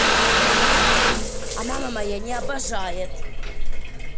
а мама моя не обожает